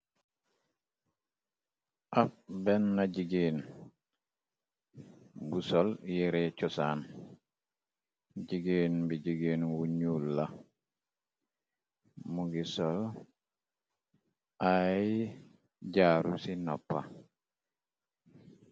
Ab benna jigeen bu sol yiree cosaan jigéen bi jigeen wu nuul la mu ngi sol ay jaaru ci nopa.